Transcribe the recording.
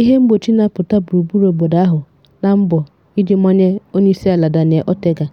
Ihe mgbochi na-apụta gburugburu obodo ahụ na mbọ iji manye Onyeisiala Daniel Ortega